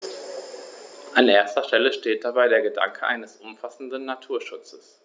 An erster Stelle steht dabei der Gedanke eines umfassenden Naturschutzes.